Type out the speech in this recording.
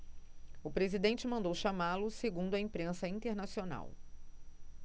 o presidente mandou chamá-lo segundo a imprensa internacional